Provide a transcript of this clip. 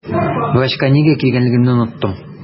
Врачка нигә килгәнлегемне оныттым.